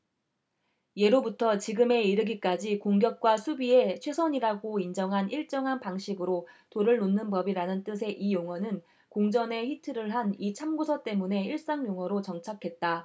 예로부터 지금에 이르기까지 공격과 수비에 최선이라고 인정한 일정한 방식으로 돌을 놓는 법이라는 뜻의 이 용어는 공전의 히트를 한 이 참고서 때문에 일상용어로 정착했다